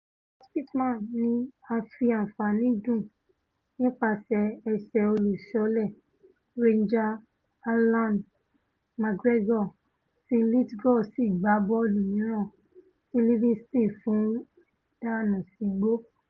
Scott Pittman ní a fi àǹfàànì dùn nípaṣẹ̀ ẹsẹ̀ olùṣọ́lé Rangers Allan McGregor tí Lithgow sì gbá bọ́ọ̀lù mìíràn tí Livingston fún un dànù sígbó.